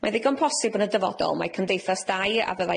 Mae'n ddigon posib yn y dyfodol mai cymdeithas dai a fyddai'n